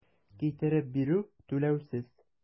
Китереп бирү - түләүсез.